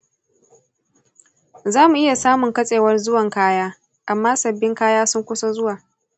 za mu iya samun katsewar zuwan kaya, amma sabbin kaya sun kusa zuwa.